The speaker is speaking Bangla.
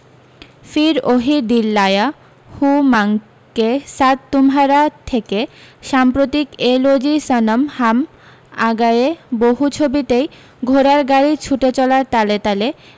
ফির ওহি দিল লায়া হুঁ মাঙ্গকে সাথ তুমহারা থেকে সাম্প্রতিক এ লো জি সনম হাম আগ্যায়ে বহু ছবিতেই ঘোড়ার গাড়ী ছুটে চলার তালে তালে